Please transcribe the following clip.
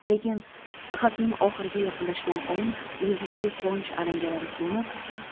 lekin xatning oxiriga yaqinlashgan sayin yuzidagi quvonch alangalari so'nib